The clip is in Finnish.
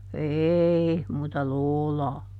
ei muuta lootaa